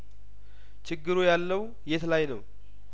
ችግሩ ያለው የት ላይ ነው